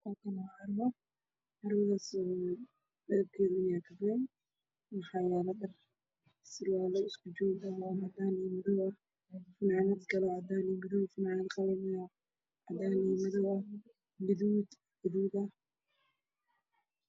Waa meel carwo ah waxaa ii muuqata dharwaal iyo fanaanad oo meel saran oo cadaan iyo muddo isku jira ah